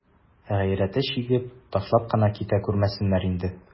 Гайрәте чигеп, ташлап кына китә күрмәсеннәр инде.